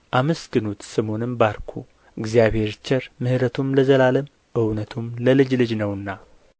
አመስግኑት ስሙንም ባርኩ እግዚአብሔር ቸር ምሕረቱም ለዘላለም እውነቱም ለልጅ ልጅ ነውና